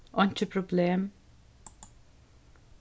einki problem